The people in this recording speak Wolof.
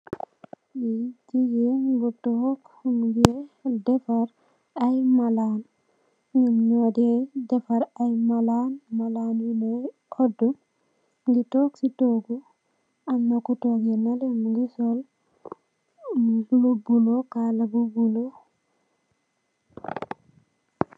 li jigeen bu tog monge defar ay malan nyum nyu de defar ay malan malan nyu nyee oodu mongi tog si togu amna ko toge nele mongi sol lu bulu kala bu bulu.